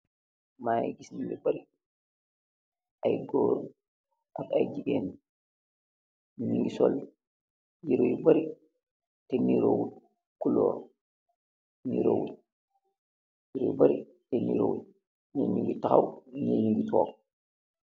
Mangeh kess nett yu bareh , ay gorr ak ay jigeen nukeh sol yereh yu bareh teh duroh wonn gulorr , duroh woon yereh yu bareeh teh durooh woon, gih jukkeh tahaw , gih jukkeh togg.